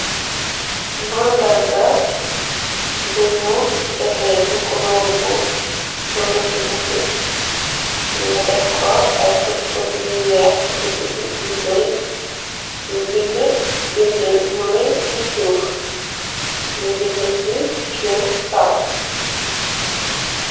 Màndarga buñu defee ci koloor bu sung ci bukki, ñu def ko ay tup tupp yu weex ci digg bi yu bari, ñu bind bind bu rey ci suuf, ñu bind ci kiw sara.